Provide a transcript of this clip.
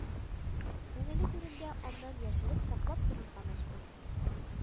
Күңеле түрендә аннан яшереп саклап торырга мәҗбүр